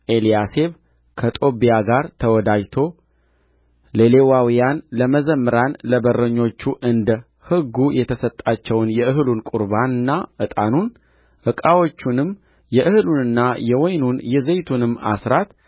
ኤልያሴብ ከጦቢያ ጋር ተወዳጅቶ ለሌዋውያን ለመዘምራን ለበረኞቹ እንደ ሕጉ የተሰጣቸውን የእህሉን ቍርባንና ዕጣኑን ዕቃዎቹንም የእህሉንና የወይኑን የዘይቱንም አሥራት